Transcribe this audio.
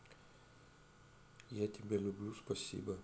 я тебя люблю спасибо